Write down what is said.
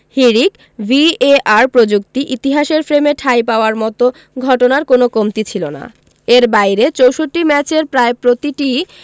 হিড়িক ভিএআর প্রযুক্তি ইতিহাসের ফ্রেমে ঠাঁই পাওয়ার মতো ঘটনার কোনো কমতি ছিল না এর বাইরে ৬৪ ম্যাচের প্রায় প্রতিটিই